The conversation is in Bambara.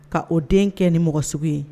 Ka o den kɛ ni mɔgɔ sugu ye